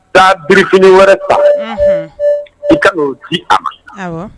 Taa birif wɛrɛ ta i ka'o di a ma